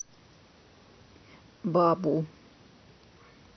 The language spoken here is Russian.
бабу